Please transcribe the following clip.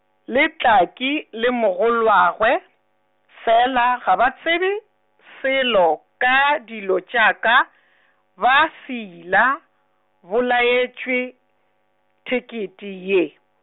le Tlhaka le mogolowagwe, fela ga ba tsebe, selo ka dilo tša ka , ba seila bolaetšwe, thekethe ye.